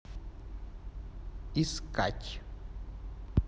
искать